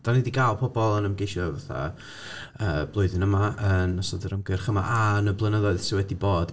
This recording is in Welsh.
Dan ni 'di gael pobl yn ymgeisio fatha yy blwyddyn yma, yn ystod yr ymgyrch yma, a yn y blynyddoedd sy wedi bod.